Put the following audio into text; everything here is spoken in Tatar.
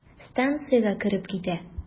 Станциягә кереп китә.